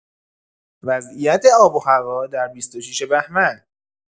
وضعیت آب و هوا در ۲۶ بهمن